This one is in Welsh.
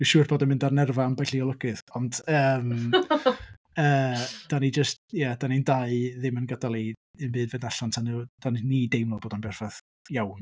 Dwi'n siŵr bod o'n mynd ar nerfau ambell i olygydd, ond yym yy dan ni jyst ia dan ni'n dau ddim yn gadael i ddim byd fynd allan tan i tan i ni deimlo bod o'n berffaith iawn.